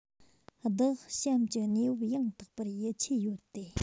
བདག གཤམ གྱི གནས བབ ཡང དག པར ཡིད ཆེས ཡོད དེ